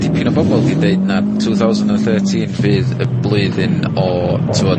...dipyn o bobol 'di deud ma' two thousand and thirteen fydd y blwyddyn o t'mod,